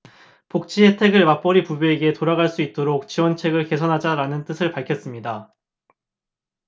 복지혜택을 맞벌이 부부에게 돌아갈 수 있도록 지원책을 개선하자 라는 뜻을 밝혔습니다